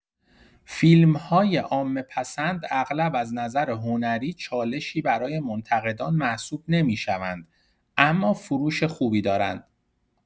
فیلم‌های عامه‌پسند اغلب از نظر هنری چالشی برای منتقدان محسوب نمی‌شوند اما فروش خوبی دارند.